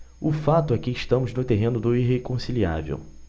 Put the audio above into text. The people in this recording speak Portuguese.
o fato é que estamos no terreno do irreconciliável